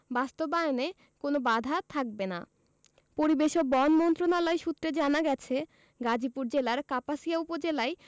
বাস্তবায়নে কোনো বাধা থাকবে না পরিবেশ ও বন মন্ত্রণালয় সূত্রে জানা গেছে গাজীপুর জেলার কাপাসিয়া উপজেলায়